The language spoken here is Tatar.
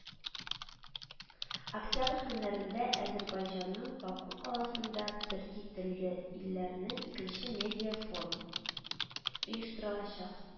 Октябрь көннәрендә әзербайҗанның баку каласында төрки телле илләрнең икенче медиа-форумы оештырылачак